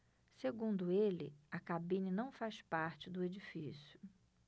segundo ele a cabine não faz parte do edifício